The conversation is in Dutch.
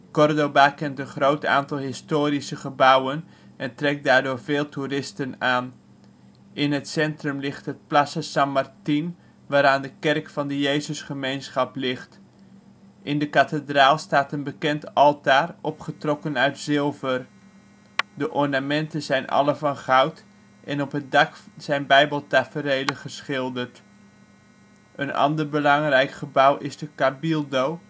Córdoba kent een groot aantal historische gebouwen en trekt daardoor veel toeristen aan. In het centrum ligt het Plaza San Martín plein, waaraan de Kerk van de Jezusgemeenschap ligt. In de kathedraal staat een bekend altaar, opgetrokken uit zilver. De ornamenten zijn alle van goud en op het dak zijn Bijbeltaferelen geschilderd. Een ander belangrijk gebouw is de Cabildo